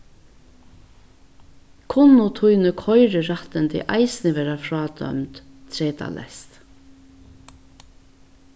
kunnu tíni koyrirættindi eisini verða frádømd treytaleyst